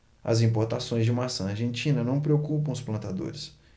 as importações de maçã argentina não preocupam os plantadores